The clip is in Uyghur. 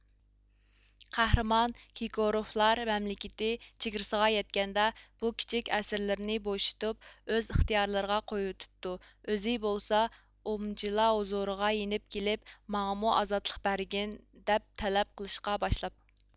قەھرىمان كېكروپلار مەملىكىتى چېگرىسىغا يەتكەندە بۇ كىچىك ئەسىرلىرىنى بوشىتىپ ئۆز ئىختىيارلىرىغا قويۇۋېتىپتۇ ئۆزى بولسا ئومجلا ھۇزۇرىغا يېنىپ كېلىپ ماڭىمۇ ئازادلىق بەرگىن دەپ تەلەپ قىلىشقا باشلاپتۇ